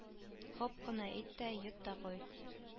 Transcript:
Һоп кына ит тә йот та куй